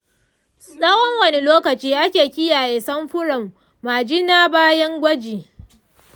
tsawon wane lokaci ake kiyaye samfuran majina bayan gwaji?